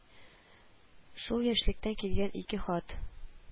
Шул яшьлектән килгән ике хат